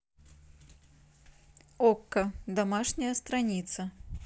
окко домашняя страница